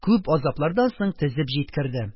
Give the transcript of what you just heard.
Күп азаплардан соң, тезеп җиткерде: